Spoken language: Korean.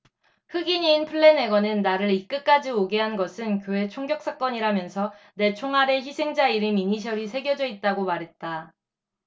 흑인인 플래내건은 나를 이 끝까지 오게 한 것은 교회 총격사건이라면서 내 총알에 희생자 이름 이니셜이 새겨져 있다고 말했다